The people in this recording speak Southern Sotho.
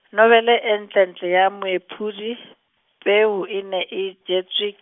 nobele e ntlentle ya Moephuli , Peo ena e jetswe.